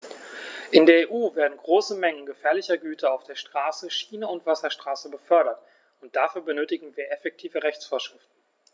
In der EU werden große Mengen gefährlicher Güter auf der Straße, Schiene und Wasserstraße befördert, und dafür benötigen wir effektive Rechtsvorschriften.